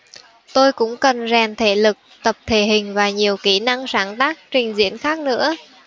tôi cũng cần rèn thể lực tập thể hình và nhiều kỹ năng sáng tác trình diễn khác nữa